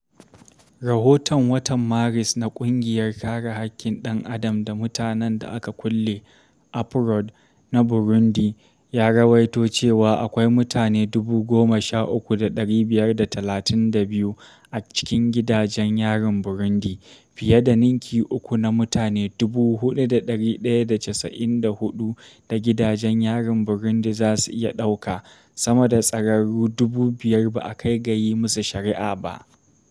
Rahoton watan Maris na Ƙungiyar Kare Haƙƙin Dan Adam da Mutanen Da Aka Kulle (APRODH) na Burundi, ya rawaito cewa akwai mutane 13,532 a cikin gidajen yarin Burundi, fiye da ninki uku na mutane 4,194 da gidajen yarin Burundi zasu iya ɗauka; sama da tsararru 5,000 ba a kai ga yi musu shari’a ba.